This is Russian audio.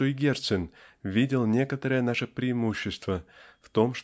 что и Герцен видел некоторое наше преимущество в том